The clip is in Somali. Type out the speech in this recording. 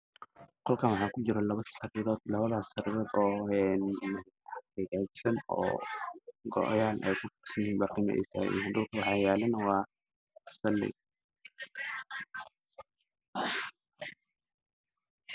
Meeshan waa qolkeeda leerar chy waxaa i muuqda sariiro laba ah oo is agyaalaan oo jawaaris aaran yihiin daahir cadaan